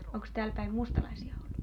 onkos täällä päin mustalaisia ollut